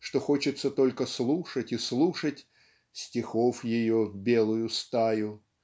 что хочется только слушать и слушать "стихов ее белую стаю"